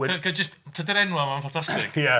Ga'i jyst... tydi'r enwau 'ma yn ffantastig... Ia.